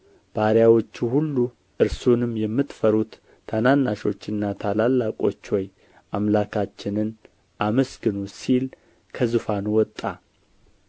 ባሪያዎቹ ሁሉ እርሱንም የምትፈሩት ታናናሾችና ታላላቆች ሆይ አምላካችንን አመስግኑ ሲል ከዙፋኑ ወጣ እንደ ብዙ ሕዝብም ድምፅ